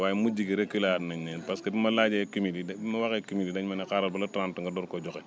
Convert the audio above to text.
waaye mujj gi réculer waat nañ leen parce que bi ma laajee cumul yi dañ bi ma waxee cumul yi dañ ma ne xaaral ba le trente nga door koo joxe